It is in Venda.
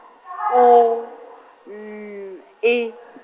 U N I.